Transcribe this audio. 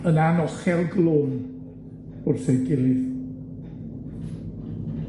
yn anochel glwm wrth ei gilydd.